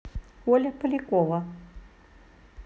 оля полякова